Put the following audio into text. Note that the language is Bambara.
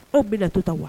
Aw bɛ na to ta wa